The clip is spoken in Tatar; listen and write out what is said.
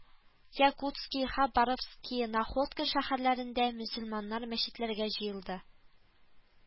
Якутски, Хабаровски, Находка шәһәрләрендә мөселманнар мәчетләргә җыелды